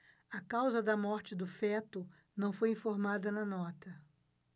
a causa da morte do feto não foi informada na nota